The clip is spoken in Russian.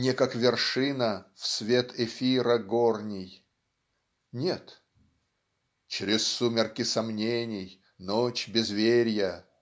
не как вершина в свет эфира горний" нет Чрез сумерки сомнений ночь безверья